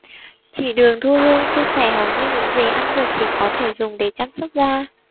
chị đường thu hương chia sẻ hầu như những gì ăn được thì có thể dùng để chăm sóc da